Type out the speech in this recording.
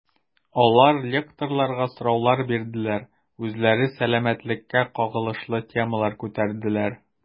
Алар лекторларга сораулар бирделәр, үзләре сәламәтлеккә кагылышлы темалар күтәрделәр.